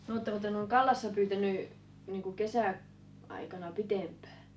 no oletteko te noin Kallassa pyytänyt niin kuin - kesäaikana pitempään